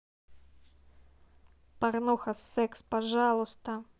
порнуха секс пожалуйста